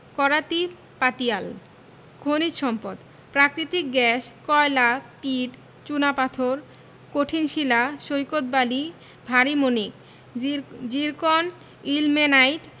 করাতি পাটিয়াল খনিজ সম্পদঃ প্রাকৃতিক গ্যাস কয়লা পিট চুনাপাথর কঠিন শিলা সৈকত বালি ভারি মণিক জিরকন ইলমেনাইট